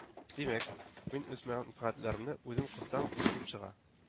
Димәк, мин үз мәнфәгатьләремне үзем кысам булып чыга,